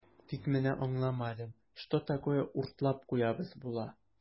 Тик менә аңламадым, что такое "уртлап куябыз" була?